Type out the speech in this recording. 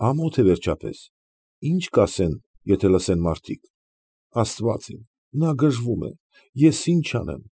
Ամոթ է, վերջապես, ի՞նչ կասեն, եթե լսեն մարդիկ, Աստված իմ, նա գժվում է, ես ինչ անեմ։